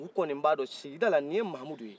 u kɔni b'a dɔn sigida la ni ye mahamudu ye